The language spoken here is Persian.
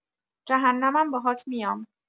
جهنمم باهات میام!